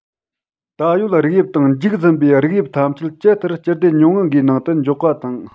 ད ཡོད རིགས དབྱིབས དང འཇིག ཟིན པའི རིགས དབྱིབས ཐམས ཅད ཇི ལྟར སྤྱི སྡེ ཉུང ངུ འགའི ནང འཇོག པ དང